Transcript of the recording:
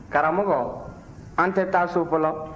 karamɔgɔ an tɛ taa so fɔlɔ